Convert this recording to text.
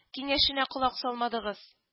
Киңәшенә колак салмадыгыз